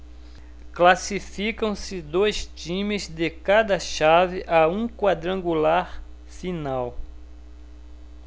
classificam-se dois times de cada chave a um quadrangular final